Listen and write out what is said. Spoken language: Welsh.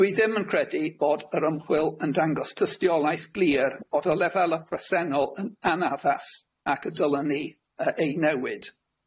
Dwi ddim yn credu bod yr ymchwil yn dangos tystiolaeth glir bod y lefela presennol yn anaddas ac y dylen ni yy ei newid.